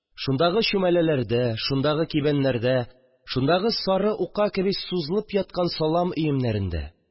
Шундагы чүмәләләрдә, шундагы кибәннәрдә, шундагы сары ука кеби сузылып яткан салам өемнәрендә